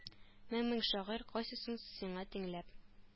Мең-мең шагыйрь кайсысын сиңа тиңләп